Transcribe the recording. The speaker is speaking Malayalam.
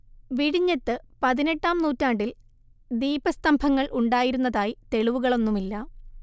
വിഴിഞ്ഞത്ത് പതിനെട്ടാം നൂറ്റാണ്ടിൽ ദീപസ്തംഭങ്ങൾ ഉണ്ടായിരുന്നതായി തെളിവുകളൊന്നുമില്ല